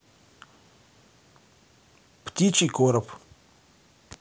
птичий короб